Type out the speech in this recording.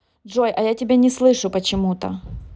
джой а я тебя не слышу почему то